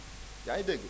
yaa ngi dégg